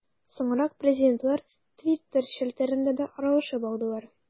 Соңрак президентлар Twitter челтәрендә дә аралашып алдылар.